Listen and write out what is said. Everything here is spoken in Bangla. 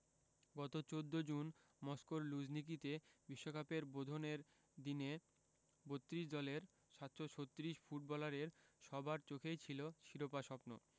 গত ১৪ জুন মস্কোর লুঝনিকিতে বিশ্বকাপের বোধনের দিনে ৩২ দলের ৭৩৬ ফুটবলারের সবার চোখেই ছিল শিরোপা স্বপ্ন